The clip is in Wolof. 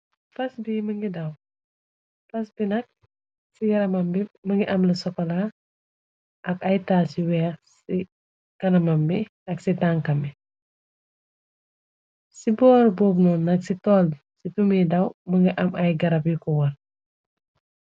Fas bi mungi daw l, fast bi nak ci yaramam bi më ngi am la sokola ak ay taas yu weeh ci kanamam bi ak ci tankam yi. Ci boor bob non nak ci tol bi ci fu mi daw më ngi am ay garab yu ku wërr.